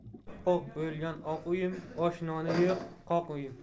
oppoq bo'lgan oq uyim osh noni yo'q qoq uyim